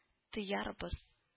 Тыярбыз